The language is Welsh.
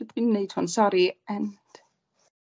Sut 'yf fi'n neud hwn. Sori. End.